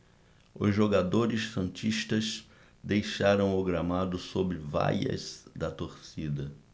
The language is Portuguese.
os jogadores santistas deixaram o gramado sob vaias da torcida